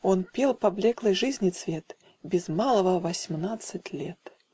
Он пел поблеклый жизни цвет Без малого в осьмнадцать лет.